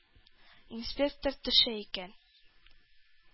Инспектор төшә икән.